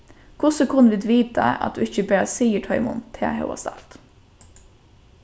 hvussu kunnu vit vita at tú ikki bara sigur teimum tað hóast alt